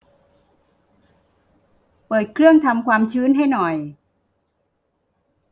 เปิดเครื่องทำความชื้นให้หน่อย